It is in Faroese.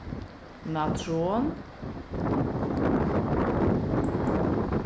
natron